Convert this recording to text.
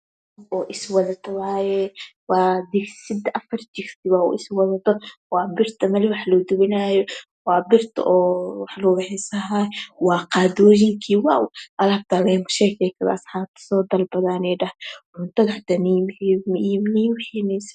Halkan waxaa yalo macuun waxeyna kakoban tahay digsi iyo birta malawax iyo qado